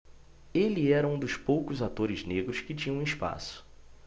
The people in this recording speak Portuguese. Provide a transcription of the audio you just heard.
ele era um dos poucos atores negros que tinham espaço